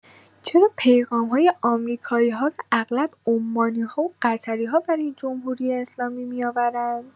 چرا پیغام‌های آمریکایی‌ها را اغلب عمانی‌ها و قطری‌ها برای جمهوری‌اسلامی می‌آورند؟